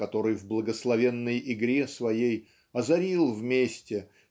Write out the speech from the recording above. который в благословенной игре своей озарил вместе